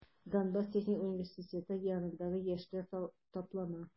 Донбасс техник университеты янында яшьләр таптана.